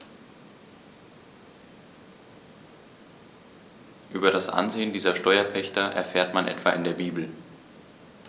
Über das Ansehen dieser Steuerpächter erfährt man etwa in der Bibel.